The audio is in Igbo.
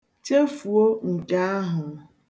Chefuo nke ahụ.